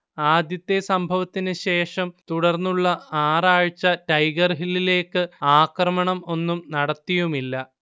ആദ്യത്തെ സംഭവത്തിനു ശേഷം തുടർന്നുള്ള ആറ് ആഴ്ച ടൈഗർ ഹില്ലിലേക്ക് ആക്രമണം ഒന്നും നടത്തിയുമില്ല